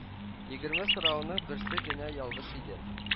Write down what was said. Егерме сорауның берсе генә ялгыш иде